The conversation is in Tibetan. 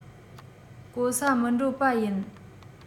བཀོལ ས མི འགྲོ པ ཡིན